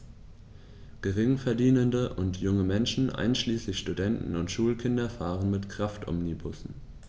Geringverdienende und junge Menschen, einschließlich Studenten und Schulkinder, fahren mit Kraftomnibussen.